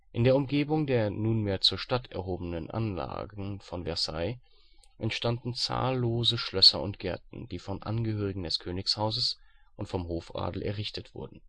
In der Umgebung der nunmehr zur Stadt erhoben Anlagen von Versailles, entstanden zahllose Schlösser und Gärten, die von Angehörigen des Königshauses und vom Hofadel errichtet wurden